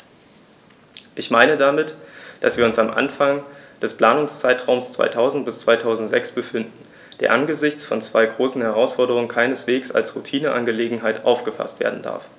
Ich meine damit, dass wir uns am Anfang des Planungszeitraums 2000-2006 befinden, der angesichts von zwei großen Herausforderungen keineswegs als Routineangelegenheit aufgefaßt werden darf.